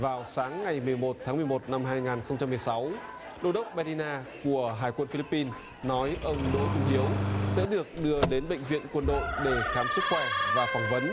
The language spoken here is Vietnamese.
vào sáng ngày mười một tháng mười một năm hai ngàn không trăm mười sáu đô đốc be đi na của hải quân phi líp pin nói ông đỗ trung hiếu sẽ được đưa đến bệnh viện quân đội để khám sức khỏe và phỏng vấn